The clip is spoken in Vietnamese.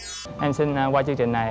em xin qua chương trình này